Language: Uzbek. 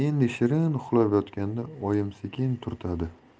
yotganda oyim sekin turtadi